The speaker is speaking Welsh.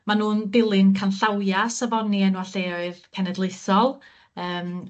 ma' nw'n dilyn canllawia safoni enwa' lleoedd cenedlaethol yym